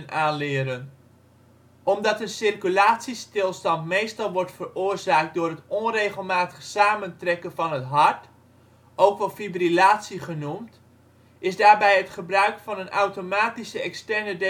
aanleren. Omdat een circulatiestilstand meestal wordt veroorzaakt door het onregelmatig samentrekken van het hart, ook wel fibrillatie genoemd, is daarbij het gebruik van een automatische externe defibrillator